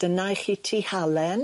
Dyna i chi tŷ Halen.